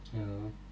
joo